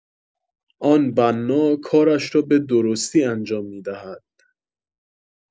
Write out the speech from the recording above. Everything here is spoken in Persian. آن بنا کارش را به‌درستی انجام می‌دهد